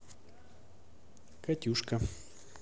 катюшка